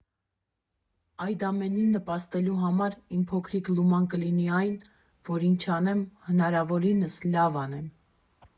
Այդ ամենին նպաստելու համար իմ փոքրիկ լուման կլինի այն, որ ինչ անեմ, հնարավորինս լավ անեմ։